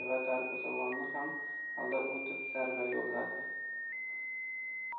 darvozabonni ham albad o'tib zarba yo'lladi